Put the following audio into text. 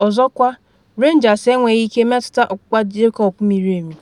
Ọzọkwa Rangers enweghị ike metụta ọkpụkpa Jacob miri emi.